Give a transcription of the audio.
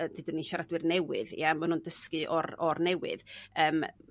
y ddudwn ni siaradwyr newydd ia? Ma' n'w'n dysgu o'r o'r newydd yym